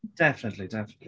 Definitely definitely.